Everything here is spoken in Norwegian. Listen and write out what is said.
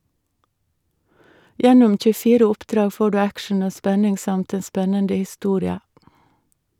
Gjennom 24 oppdrag får du action og spenning samt en spennende historie.